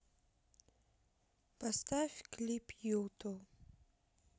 поставь клип юту